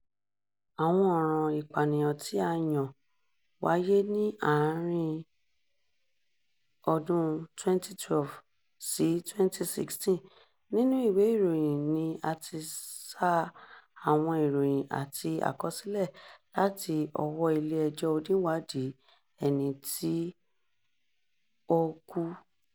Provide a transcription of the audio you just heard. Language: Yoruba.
Àwọn ọ̀ràn ìpànìyàn tí a yàn wáyé ní àárín-in ọdún-un 2012 to 2016. Nínú ìwé ìròyìn ni a ti ṣa àwọn ìròyìn àti àkọsílẹ̀ láti ọwọ́ọ ilé ẹjọ́ Oníwàádìí-ẹni-tí-ó-kú.